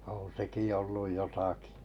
on sekin ollut jotakin